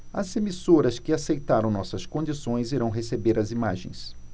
as emissoras que aceitaram nossas condições irão receber as imagens